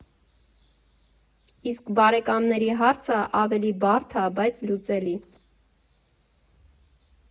Իսկ բարեկամների հարցը ավելի բարդ ա, բայց՝ լուծելի…